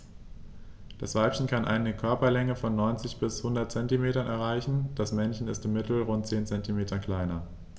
Das Weibchen kann eine Körperlänge von 90-100 cm erreichen; das Männchen ist im Mittel rund 10 cm kleiner.